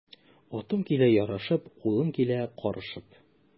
Атым килә ярашып, кулым килә карышып.